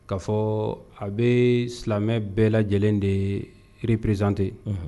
Ka fɔ a bɛ silamɛmɛ bɛɛ lajɛlen de yeirirepsizte